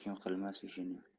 kim qilmas ishini